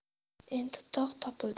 endi tog' topildi